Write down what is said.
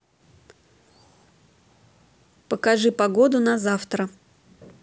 покажи погоду на завтра